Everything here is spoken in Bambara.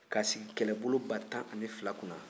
ka a sigi kɛlɛbolo ba tan ani fila kunna